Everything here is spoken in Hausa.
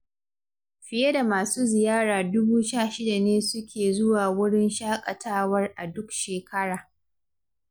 Fiye da masu ziyara 16,000 ne suke zuwa wurin shaƙatawar a duk shekara.